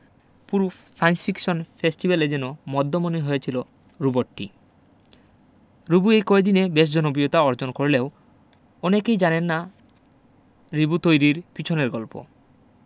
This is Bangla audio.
পুরো সায়েন্স ফিকশন ফেস্টিভ্যালে যেন মধ্যমণি হয়েছিল রোবটটি রিবো এই কয়দিনে বেশ জনপ্রিয়তা অর্জন করলেও অনেকেই জানেন না রিবো তৈরির পেছনের গল্প